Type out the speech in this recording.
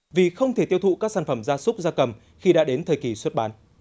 vì không thể tiêu thụ các sản phẩm gia súc gia cầm khi đã đến thời kỳ xuất bán